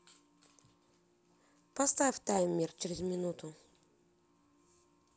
поставь таймер через минуту